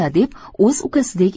deb o'z ukasidek